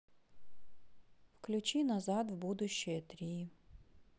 включи назад в будущее три